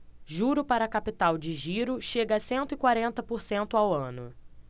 juro para capital de giro chega a cento e quarenta por cento ao ano